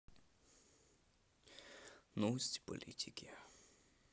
новости политики